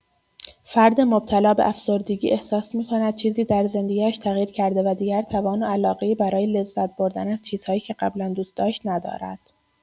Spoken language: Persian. فرد مبتلا به افسردگی احساس می‌کند چیزی در زندگی‌اش تغییر کرده و دیگر توان و علاقه‌ای برای لذت‌بردن از چیزهایی که قبلا دوست داشت ندارد.